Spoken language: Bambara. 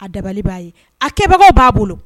A dabali b'a ye a kɛbagaw b'a bolo